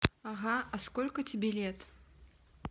ага а сколько тебе лет